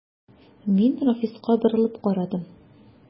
Мин Рафиска борылып карадым.